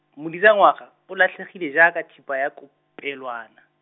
Modisa ngwaga, o latlhegile jaaka thipa ya kopelwane.